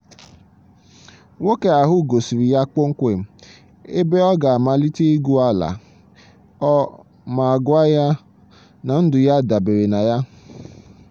Nwoke ahụ gosiri ya kpọmkwem ebe ọ ga-amalite igwu ala ma gwa ya na ndụ ya dabeere na ya.